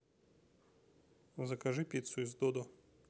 закажи пиццу из додо